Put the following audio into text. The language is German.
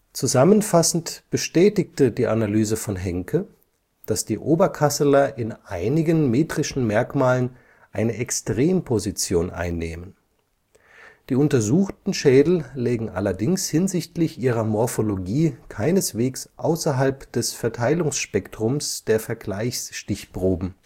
Zusammenfassend bestätigte die Analyse von Henke, „ daß die Oberkasseler in einigen metrischen Merkmalen eine Extremposition einnehmen “. Die untersuchten Schädel lägen allerdings hinsichtlich ihrer Morphologie keineswegs „ außerhalb des Verteilungsspektrums der Vergleichsstichproben